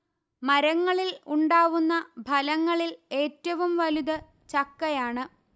മരങ്ങളിൽ ഉണ്ടാവുന്ന ഫലങ്ങളിൽ ഏറ്റവും വലുത് ചക്കയാണ്